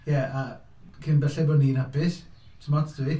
Ie, a cyn belled bo' ni'n hapus, 'sdim ots 'da fi.